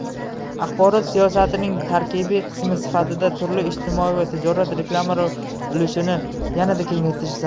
axborot siyosatining tarkibiy qismi sifatida turli ijtimoiy va tijoriy reklamalar ulushini yanada kengaytirish zarur